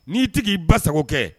N'i tigi' i basa kɛ